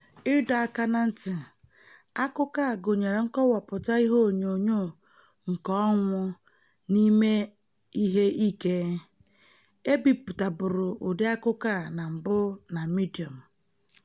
Ịdọ aka na ntị: akụkọ a gụnyere nkọwapụta ihe onyoonyo nke ọnwụ na ime ihe ike. E bipụtaburu ụdị akụkọ a na mbụ na Medium.